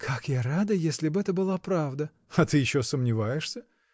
— Как я рада, если б это была правда! — А ты еще сомневаешься!